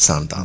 cent ans la